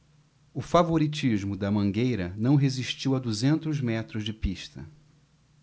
o favoritismo da mangueira não resistiu a duzentos metros de pista